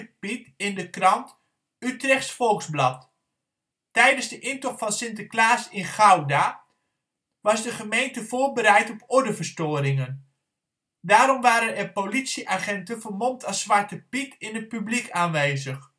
Piet in de krant ' Utrechts Volksblad '. Tijdens de intocht van Sinterklaas in Gouda was de gemeente voorbereid op ordeverstoringen. Daarom waren er politieagenten vermomd als Zwarte Piet in het publiek aanwezig